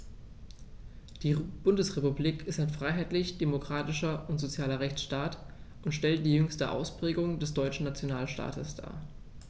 Die Bundesrepublik ist ein freiheitlich-demokratischer und sozialer Rechtsstaat und stellt die jüngste Ausprägung des deutschen Nationalstaates dar.